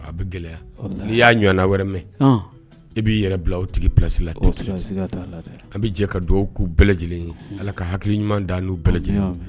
A bɛ gɛlɛya n'i y'a ɲɔgɔn wɛrɛ mɛn i b'i yɛrɛ bila aw tigi psi la an bɛ jɛ ka dugawu'u bɛɛ lajɛlen ala ka hakili ɲuman da n'u bɛɛ lajɛlen